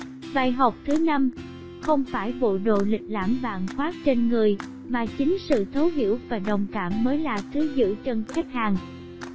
bài học thứ không phải bộ đồ lịch lãm bạn khoác trên người mà chính sự thấu hiểu và đồng cảm mới là thứ giữ chân khách hàng